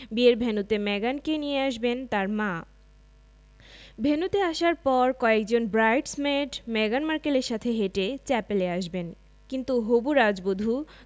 বিয়ের ভেন্যুতে মেগানকে নিয়ে আসবেন তাঁর মা ভেন্যুতে আসার পর কয়েকজন ব্রাইডস মেড মেগান মার্কেলের সাথে হেঁটে চ্যাপেলে আসবেন কিন্তু হবু রাজবধূ